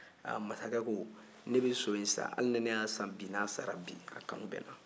ha masakɛ ko ne be so in san hali ni ne y'a san bi n'a sara bi a kanu bɛ n na